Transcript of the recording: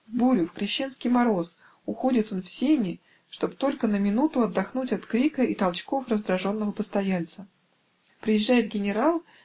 в бурю, в крещенский мороз уходит он в сени, чтоб только на минуту отдохнуть от крика и толчков раздраженного постояльца. Приезжает генерал